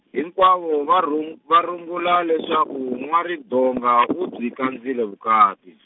hinkwavo va rung- va rungula leswaku N'wa-Ridonga u byi kandzile vukati.